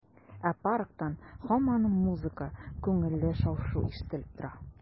Ә парктан һаман музыка, күңелле шау-шу ишетелеп тора.